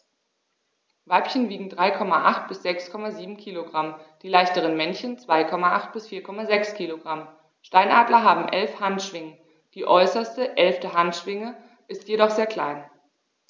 Weibchen wiegen 3,8 bis 6,7 kg, die leichteren Männchen 2,8 bis 4,6 kg. Steinadler haben 11 Handschwingen, die äußerste (11.) Handschwinge ist jedoch sehr klein.